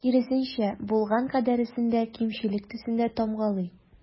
Киресенчә, булган кадәресен дә кимчелек төсендә тамгалый.